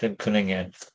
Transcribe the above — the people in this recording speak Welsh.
Ddim cwningen?